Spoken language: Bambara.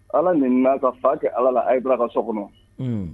Ala ni n'a ka fa kɛ ala la a ye bila ka so kɔnɔ